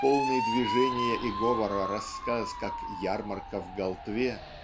полный движения и говора рассказ как "Ярмарка в Голтве"